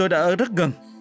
tôi đã ở rất gần